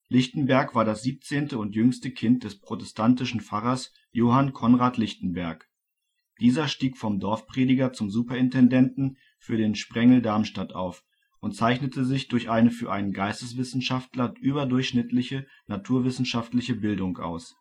Lichtenberg war das siebzehnte und jüngste Kind des protestantischen Pfarrers Johann Conrad Lichtenberg. Dieser stieg vom Dorfprediger zum Superintendenten für den Sprengel Darmstadt auf und zeichnete sich durch eine für einen Geisteswissenschaftler überdurchschnittliche naturwissenschaftliche Bildung aus